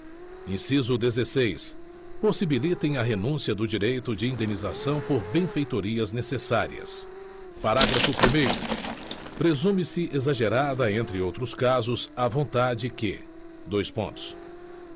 inciso dezeseis possibilitem a renúncia do direito de indenização por benfeitorias necessárias parágrafo primeiro presumese exagerada entre outros casos a vontade que dois pontos